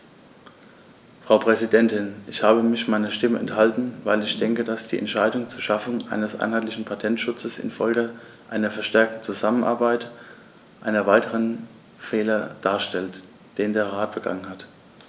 Frau Präsidentin, ich habe mich meiner Stimme enthalten, weil ich denke, dass die Entscheidung zur Schaffung eines einheitlichen Patentschutzes in Folge einer verstärkten Zusammenarbeit einen weiteren Fehler darstellt, den der Rat begangen hat.